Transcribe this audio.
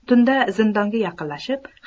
tunda zindonga yaqinlashib